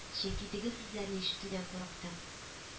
Чөнки теге сүзләрне ишетүдән курыкты